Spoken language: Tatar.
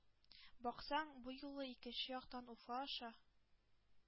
Баксаң, бу юлы икенче яктан — Уфа аша